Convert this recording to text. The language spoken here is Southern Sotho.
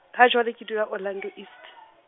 ha jwale ke dula Orlando East.